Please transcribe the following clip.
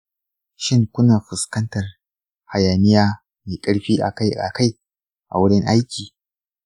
shin kuna fuskantar hayaniya mai ƙarfi akai-akai a wurin aiki?